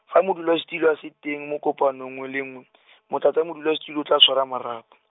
fa modulasetulo a se teng mo kopanong nngwe le nngwe , Motlatsamodulasetulo o tla tshwara marapo.